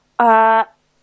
Yy.